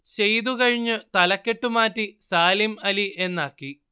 ചെയ്തു കഴിഞ്ഞു തലക്കെട്ട് മാറ്റി സാലിം അലി എന്നാക്കി